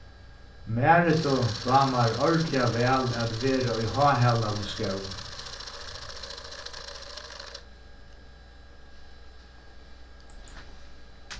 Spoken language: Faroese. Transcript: maritu dámar ordiliga væl at vera í háhælaðum skóm